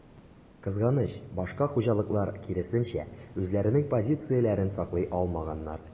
Кызганыч, башка хуҗалыклар, киресенчә, үзләренең позицияләрен саклый алмаганнар.